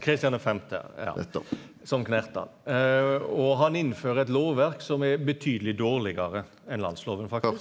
Kristian den femte ja som knerta og han innfører eit lovverk som er betydeleg dårlegare enn landsloven faktisk.